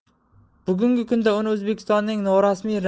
bugungi kunda uni o'zbekistonning norasmiy